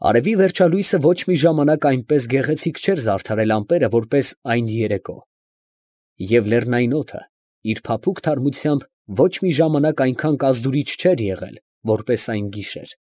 Արևի վերջալույսը ոչ մի ժամանակ այնպես գեղեցիկ չէր զարդարել ամպերը, որպես այն երեկո. և լեռնային օդը իր փափուկ թարմությամբ ոչ մի ժամանակ այնքան կազդուրիչ չէր եղել, որպես այն գիշեր։